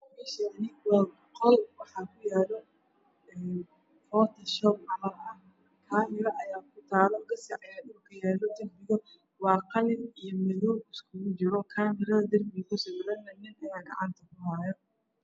Kani waa qol footoshob ah kaamiro ayaa taalo gasac ayaa horyaalo oo qalin iyo madow isku jira. Kaamirada darbiga kusawirana nin ayaa gacanta kuhaayo.